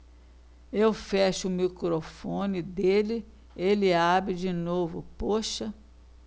eu fecho o microfone dele ele abre de novo poxa